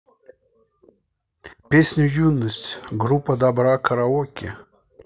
песня юность группа добро караоке